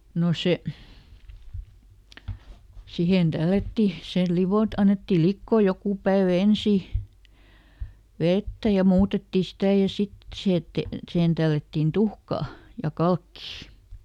no se siihen tällättiin sen - annettiin liota joku päivä ensin vettä ja muutettiin sitä ja sitten siihen ette sihen tällättiin tuhkaa ja kalkkia